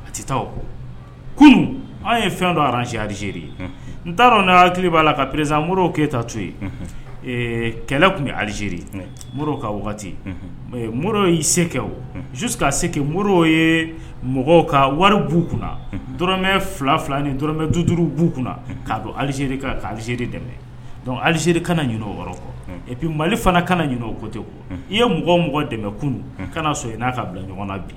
A tɛ taa o kunun anw ye fɛn dɔ araz alizeri ye n taara hakili b'a la ka perezmo keyita to yen kɛlɛ tun bɛ alizeri mori ka mɛ mori y'i se o su k'a seke mori ye mɔgɔw ka wari b buuɔrɔmɛ fila fila ni dɔrɔmɛ du duuru bu kunna kaa don alizeri ka alizeri dɛmɛc alize ka o yɔrɔ kɔpi mali fana kana ɲinin o kɔte kɔ i ye mɔgɔ mɔgɔ dɛmɛ kunun ka na so n'a ka bila ɲɔgɔn na bi